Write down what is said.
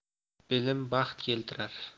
bilim baxt keltirar